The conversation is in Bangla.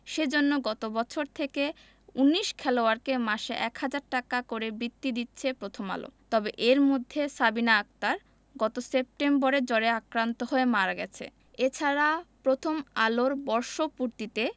সে জন্য গত বছর থেকে ১৯ খেলোয়াড়কে মাসে ১ হাজার টাকা করে বৃত্তি দিচ্ছে প্রথম আলো তবে এর মধ্যে সাবিনা আক্তার গত সেপ্টেম্বরে জ্বরে আক্রান্ত হয়ে মারা গেছে এ ছাড়া প্রথম আলোর বর্ষপূর্তিতে